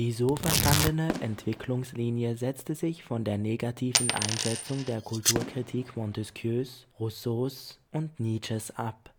so verstandene Entwicklungslinie setzte sich von der negativen Einschätzung der Kulturkritik Montesquieus, Rousseaus und Nietzsches ab